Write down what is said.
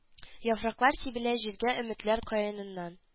Яфраклар сибелә җиргә өметләр каеныннан